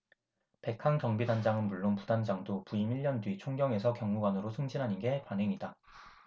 백 한 경비단장은 물론 부단장도 부임 일 년 뒤 총경에서 경무관으로 승진하는 게 관행이다